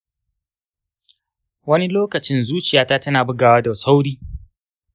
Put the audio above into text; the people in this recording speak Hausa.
wani lokaci zuciyata tana bugawa da sauri.